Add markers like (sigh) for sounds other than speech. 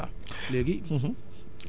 (breath) voilà léegi